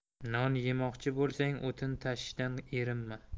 non yemoqchi bo'lsang o'tin tashishdan erinma